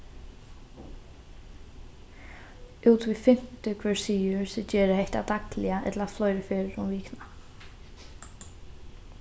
út við fimti hvør sigur seg gera hetta dagliga ella fleiri ferðir um vikuna